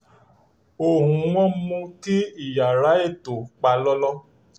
Ohùn-un wọn mú kí iyàrá ètò pa lọ́lọ́.